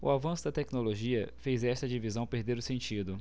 o avanço da tecnologia fez esta divisão perder o sentido